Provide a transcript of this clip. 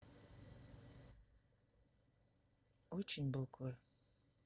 очень буквы